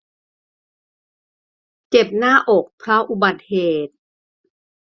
เจ็บหน้าอกเพราะอุบัติเหตุ